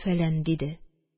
Фәлән, – диде.